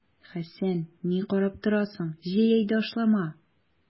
Хәсән, ни карап торасың, җый әйдә ашлама!